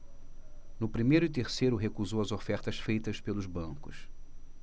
no primeiro e terceiro recusou as ofertas feitas pelos bancos